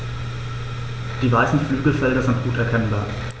Die weißen Flügelfelder sind gut erkennbar.